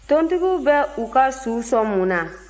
tontigiw bɛ u ka suw sɔn mun na